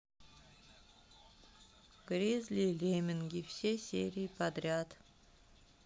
гризли и лемминги все серии подряд